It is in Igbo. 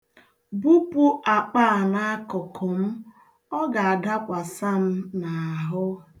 Bupụ akpa a n'akụkụ m, ọ ga-adakwasa m n'ahụ.